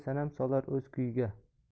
sanam solar o'z kuyiga